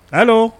Paul